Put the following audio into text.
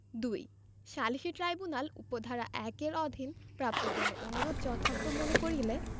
২ সালিসী ট্রাইব্যূনাল উপ ধারা ১ এর অধীন প্রাপ্ত কোন অনুরোধ যথার্থ মনে করিলে